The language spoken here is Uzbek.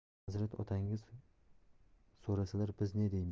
hazrat otangiz so'rasalar biz ne deymiz